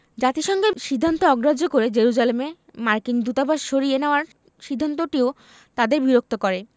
জাতিসংঘের সিদ্ধান্ত অগ্রাহ্য করে জেরুজালেমে মার্কিন দূতাবাস সরিয়ে নেওয়ার সিদ্ধান্তটিও তাদের বিরক্ত করে